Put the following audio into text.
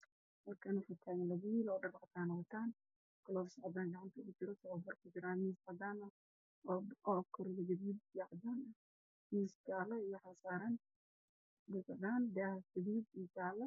Waa meel caafimaad oo loo wiil ay joogaan wiil waxbaraayo oo dheer mid gaaban oo wax la baraayo oo yar oo wataan dhar cadaan ah